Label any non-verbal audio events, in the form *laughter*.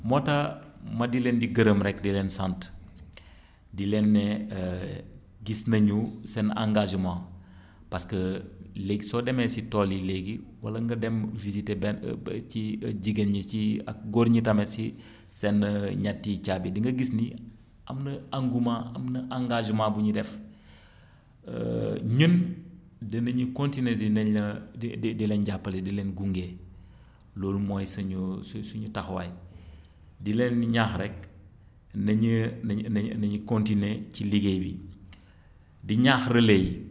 moo tax ma di leen di gërëm rekk di leen sant *smacks lips* di leen ne *hesitation* gis nañu seen engagement parce que léegi soo demee si tool yi léegi wala nga dem visiter benn ba ci jigéen ñi ci ak góor ñi tamit si *inhales* seen *hesitation* ñetti caabi di nga gis ni am na engouement am na engagement bu ñuy def *inhales* *hesitation* ñun dinañu continuer dinañ *hesitation* di di di leen jàppale di leen gunge *inhales* loolu mooy suñu su suñu taxawaay *breath* di leen ñaax rekk nañ *hesitation* nañ nañ nañuy continuer ci liggéey bi *inhales* di ñaax relais yi